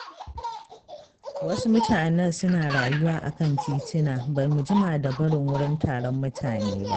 Wasu mutanen suna rayuwa a kan tituna, ba mu jima da barin wurin taron mutane ba.